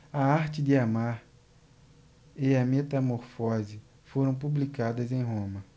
a arte de amar e a metamorfose foram publicadas em roma